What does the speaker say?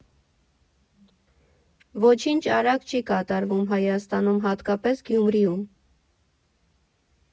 Ոչինչ արագ չի կատարվում Հայաստանում, հատկապես Գյումրիում։